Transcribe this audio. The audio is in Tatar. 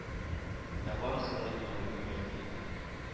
Ә барысы да ирләрне гаепли